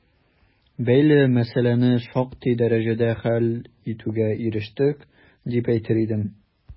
Бәйле мәсьәләне шактый дәрәҗәдә хәл итүгә ирештек, дип әйтер идем.